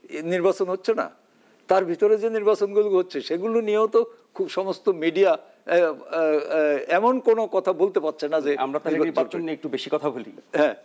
নির্বাচন হচ্ছে না তার ভিতরে যে নির্বাচনগুলো হচ্ছে সেগুলো নিয়েও তো খুব সমস্ত মিডিয়া এমন কোন কথা বলতে পারছে না যে আমরা তো নির্বাচন নিয়ে একটু বেশি কথা বলি হ্যাঁ